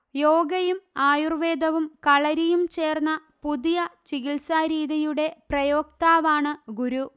യോഗയും ആയുർവേദവും കളരിയും ചേർന്ന പുതിയ ചികിത്സാ രീതിയുടെ പ്രയോക്താവാണ് ഗുരു